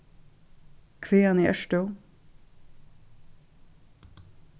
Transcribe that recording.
hvaðani ert tú